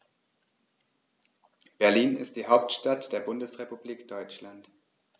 Berlin ist die Hauptstadt der Bundesrepublik Deutschland.